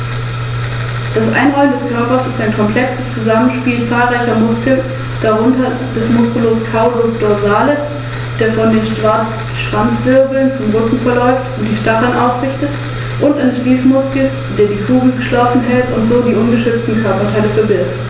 Kernzonen und die wichtigsten Bereiche der Pflegezone sind als Naturschutzgebiete rechtlich gesichert.